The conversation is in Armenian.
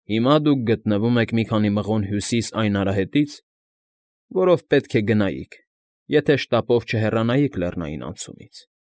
Հիմա դուք գտնվում եք մի քանի մղոն հյուսիս այն արահետից, որով պետք է գնայիք, եթե շտապով չհեռանայիք լեռնային անցումից։